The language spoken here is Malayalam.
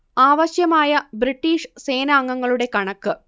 ആവശ്യമായ ബ്രിട്ടീഷ് സേനാംഗങ്ങളുടെ കണക്ക്